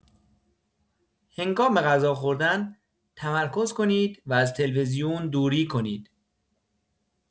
هنگام غذا خوردن تمرکز کنید و از تلویزیون دوری کنید.